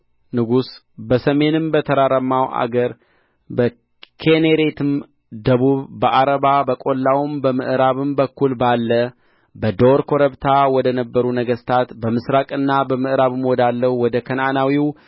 ንጉሥ በሰሜንም በተራራማው አገር በኪኔሬትም ደቡብ በዓረባ በቈላውም በምዕራብም በኩል ባለ በዶር ኮረብታ ወደ ነበሩ ነገሥታት በምሥራቅና በምዕራብም ወዳለው ወደ ከነዓናዊው